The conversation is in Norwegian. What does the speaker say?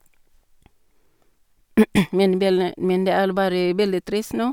men velne Men det er bare veldig trist nå.